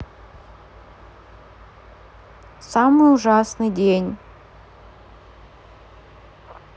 самый ужасный день